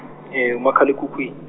e umakhal' ekhukhwini.